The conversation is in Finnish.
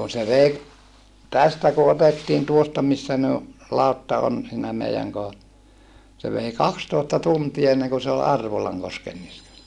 kun se vei tästä kun otettiin tuosta missä ne on lautta on siinä meidän kohdalla se vei kaksitoista tuntia ennen kuin se oli Arvolankosken niskassa